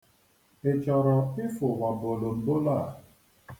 Ị chọrọ ịfụwa bolonbolo a?